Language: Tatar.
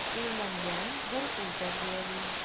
Өйләнгән, бер ул тәрбияли.